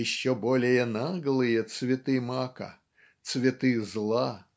еще более наглые цветы мака цветы зла.